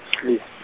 s'lis-.